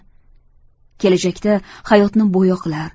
kelajakda hayotni bo'yoqlar